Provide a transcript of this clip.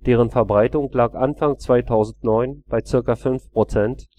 (deren Verbreitung lag Anfang 2009 bei ca. fünf Prozent